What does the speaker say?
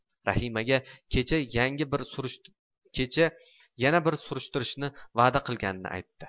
rahimaga kecha yana bir surishtirishni va'da qilganini aytdi